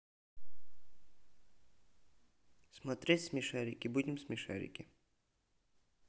смотреть смешарики будем смешарики